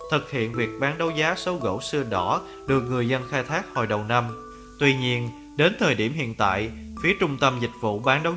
thực hiện việc bán đấu giá số gỗ sưa đỏ được người dân khai thác hồi đầu năm tuy nhiên đến thời điểm hiện tại phía trung tâm dịch vụ bán đấu giá tài sản